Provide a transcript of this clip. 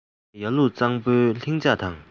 ངས ཡར ཀླུང གཙང པོའི ལྷིང འཇགས དང